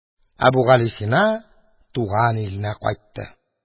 Әбүгалисина туган иленә кайтты